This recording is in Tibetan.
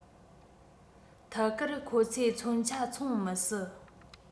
ཐད ཀར ཁོ ཚོས མཚོན ཆ འཚོང མི སྲིད